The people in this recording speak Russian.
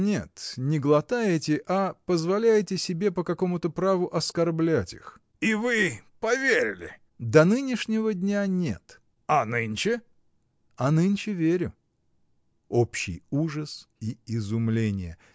— Нет, не глотаете, а позволяете себе по какому-то праву оскорблять их. — И вы поверили? — До нынешнего дня — нет. — А нынче? — А нынче верю. Общий ужас и изумление.